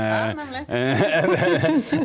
ja nemleg.